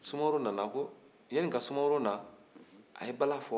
sumaworo nana ko yaani ka sumaworo na a ye bala fɔ